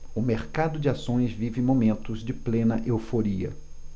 o mercado de ações vive momentos de plena euforia